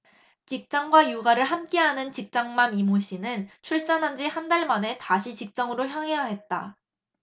직장과 육아를 함께하는 직장맘 이모씨는 출산한지 한 달 만에 다시 직장으로 향해야 했다